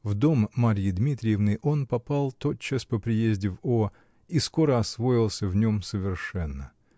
В дом Марьи Дмитриевны он попал тотчас по приезде в О. и скоро освоился в нем совершенно.